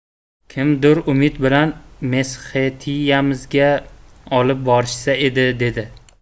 kimdir umid bilan mesxetiyamizga olib borishsa edi dedi